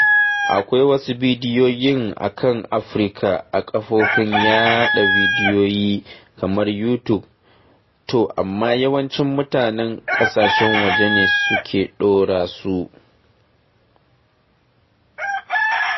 Akwai wasu bidiyoyin a kan Afirka a kafofin yaɗa bidiyoyi kamar YouTube, to amma yawanci mutanen ƙasashen waje ne suke ɗora su.